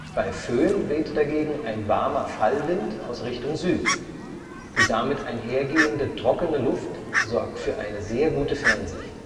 Bei Föhn weht dagegen ein warmer Fallwind aus Richtung Süd; die damit einhergehende trockene Luft sorgt für eine sehr gute Fernsicht